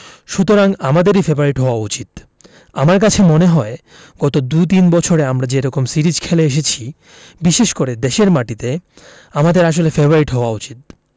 সুতরাং আমাদেরই ফেবারিট হওয়া উচিত আমার কাছে মনে হয় গত দু তিন বছরে আমরা যে রকম সিরিজ খেলে এসেছি বিশেষ করে দেশের মাটিতে আমাদের আসলে ফেবারিট হওয়া উচিত